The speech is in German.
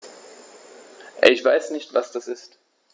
Ich weiß nicht, was das ist.